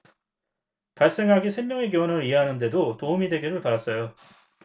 발생학이 생명의 기원을 이해하는 데도 도움이 되기를 바랐어요